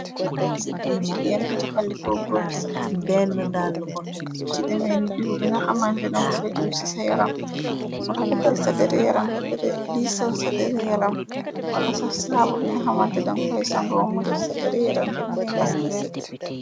Bagaas ci ay jigeen di jëffandikoo góori sax diko jëppandiko yi ci demee ni diw bina xamante dam cretiw ci sax yaram bu rafatal sa dare-yaram bep li sal sa dare-yaram wala saf saabu bi nga xamante dam koy sango mu daf sa dare-yaram bi muy nees na se.